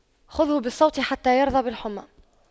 خُذْهُ بالموت حتى يرضى بالحُمَّى